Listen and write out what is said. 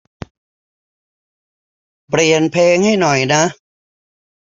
เปลี่ยนเพลงให้หน่อยนะ